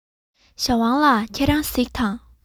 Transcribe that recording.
ཞའོ ཝང ལགས ཁྱེད རང གཟིགས དང